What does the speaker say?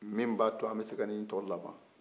min b'a to an bɛ se ka nin tɔ laban